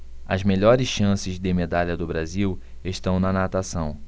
as melhores chances de medalha do brasil estão na natação